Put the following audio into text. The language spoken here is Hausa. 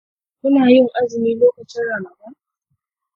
kuna yin azumi lokacin ramadan?